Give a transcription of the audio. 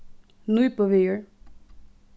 nípuvegur